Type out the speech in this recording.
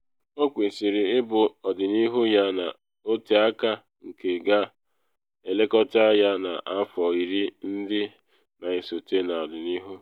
Ọ kwesịrị ịbụ ọdịnihu ya n’oteaka nke ga-elekọta ya n’afọ iri ndị na esote n’ọdịnihu.